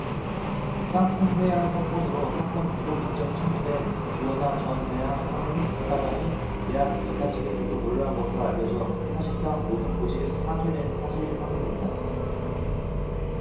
땅콩 회항 사건으로 사전 구속영장이 청구된 조현아 전 대한항공 부사장이 대학 이사직에서도 물러난 것으로 알려져 사실상 모든 보직에서 사퇴한 사실이 확인됐다